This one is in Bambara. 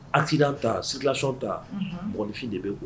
Accident ta circulation ta mɔgɔninfin de bɛ